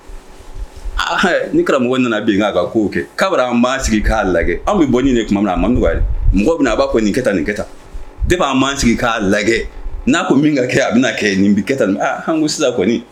Ni karamɔgɔ nana bin k' ka ko kɛ k koa an b' sigi k'a la an bɛ bɔ nin de tuma min na a man mɔgɔ bɛ a baa kɔni nin kɛ tan ni kɛ tan ne b'an maan sigi k' lajɛ na ko min ka kɛ a bɛna kɛ nin kɛ tan ni sisan kɔni